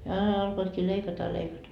jaa alkoivatkin leikata ja leikata